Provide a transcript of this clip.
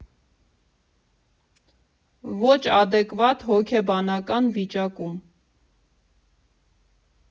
Ոչ ադեկտվատ հոգեբանական վիճակում։